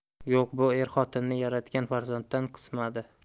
yo'q bu er xotinni yaratgan farzanddan qismadi